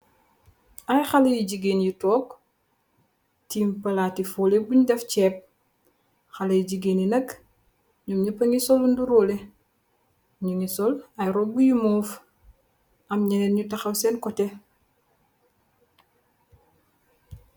Ay haley jigéen yu toog, tiim palaati folè bun def jëp. Haley jigéen yi nak, noom nëppa ngi solo nirolè. Nungi sol ay robb yu move. Am nenen nu tahaw senn kotè.